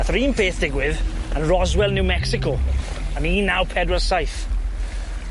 Nath yr un peth digwydd yn Roswell, New Mexico, yn un naw pedwar saith.